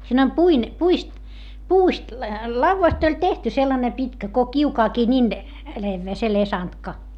siinä on - puista puusta laudasta oli tehty sellainen pitkä kuin kiukaankin niin leveä se lesantka